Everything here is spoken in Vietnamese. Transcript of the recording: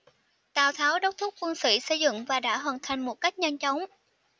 tào tháo đốc thúc quân sĩ xây dựng và đã hoàn thành một cách nhanh chóng